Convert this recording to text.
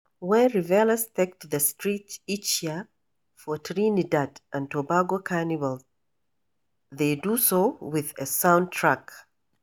When revelers take to the streets each year for Trinidad and Tobago Carnival, they do so with a soundtrack.